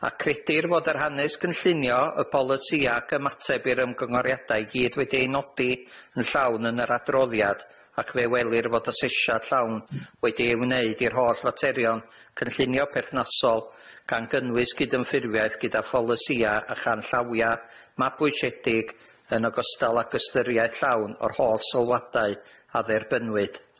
A credir fod yr hanes cynllunio, y polisia ac ymateb i'r ymgyngoriada i gyd wedi ei nodi yn llawn yn yr adroddiad, ac fe welir fod asesiad llawn wedi ei wneud i'r holl faterion cynllunio perthnasol, gan gynnwys gyd-ynffurfiaeth gyda pholisia a chanllawia mabwysiedig yn ogystal ag ystyriaeth llawn o'r holl sylwadau a dderbynwyd.